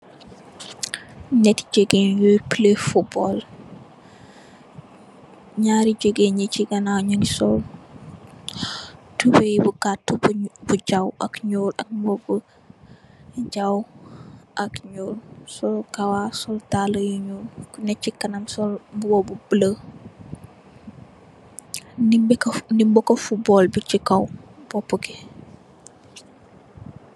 Njati gigen yuoye cupeh njari gigen yuneke ci ganawe njogu sol toubey yu gate nji dangie cupeh bi ci kawe sol kawas sol dale yu njoul cu neh ci kanm mongi sol mbube bu bula